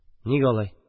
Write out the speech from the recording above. – ник алай?